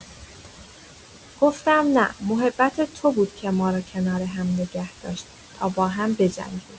گفتم نه، محبت تو بود که ما را کنار هم نگه داشت تا با هم بجنگیم.